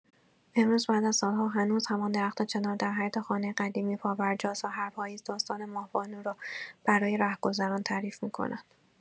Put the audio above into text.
امروز، بعد از سال‌ها، هنوز هم آن درخت چنار در حیاط خانه قدیمی پابرجاست و هر پاییز، داستان ماه‌بانو را برای رهگذران تعریف می‌کند.